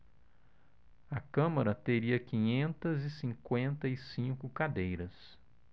a câmara teria quinhentas e cinquenta e cinco cadeiras